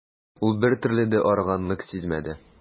Ул бертөрле дә арыганлык сизмәде.